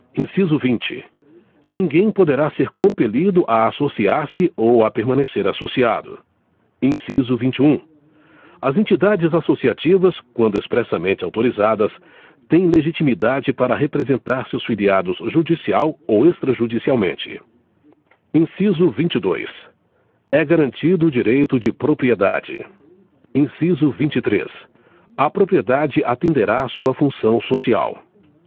inciso vinte ninguém poderá ser compelido a associar se ou a permanecer associado inciso vinte e um as entidades associativas quando expressamente autorizadas têm legitimidade para representar seus filiados judicial ou extrajudicialmente inciso vinte e dois é garantido o direito de propriedade inciso vinte e três a propriedade atenderá a sua função social